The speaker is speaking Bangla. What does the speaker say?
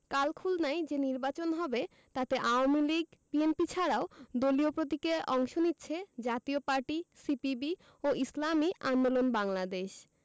কাল খুলনায় যে নির্বাচন হবে তাতে আওয়ামী লীগ বিএনপি ছাড়াও দলীয় প্রতীকে অংশ নিচ্ছে জাতীয় পার্টি সিপিবি ও ইসলামী আন্দোলন বাংলাদেশ